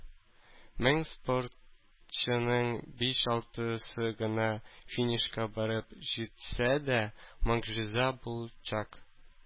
Мең спортчының биш-алтысы гына финишка барып җитсә дә, могҗиза булачак.